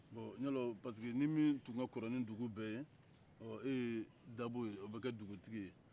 ɔ yalɔ parce que ni min tun ka kɔrɔ nin dugu bɛɛ ye ɔ e ye dabo ye o bɛ kɛ dugutigi ye